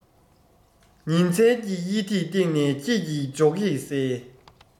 ཉིན མཚན གྱི དབྱེ ཐིག སྟེང ནས ཁྱེད ཀྱི འཇོ སྒེག གསལ